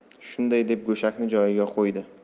shunday deb go'shakni joyiga qo'ydi